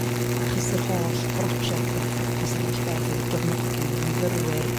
achos yr holl broject a pwrpas yr holl beth oedd i gefnogi myfyrwyr ymenodol myfyrwyr